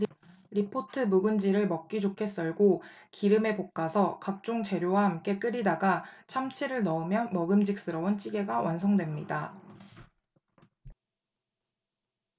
리포트 묵은지를 먹기 좋게 썰고 기름에 볶아서 각종 재료와 함께 끓이다가 참치를 넣으면 먹음직스러운 찌개가 완성됩니다